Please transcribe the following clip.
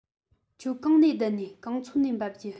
ཁྱོད གང ནས བསྡད ནིས གང ཚོད ནས འབབ རྒྱུ